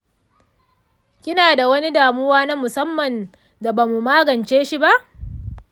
kina da wani damuwa na musamman da bamu magance shi ba?